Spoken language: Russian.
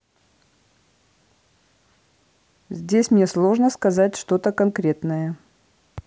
здесь мне сложно сказать что то конкретное